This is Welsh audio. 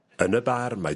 Yn y bar mae...